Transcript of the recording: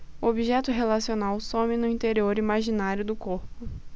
o objeto relacional some no interior imaginário do corpo